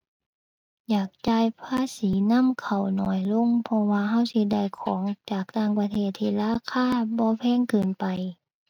อยากจ่ายภาษีนำเข้าน้อยลง เพราะว่าเราสิได้ของจากต่างประเทศที่ราคาบ่แพงเกินไป